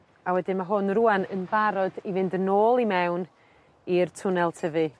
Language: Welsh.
A wedyn ma' hwn rŵan yn barod i fynd yn ôl i mewn i'r twnnel tyfu.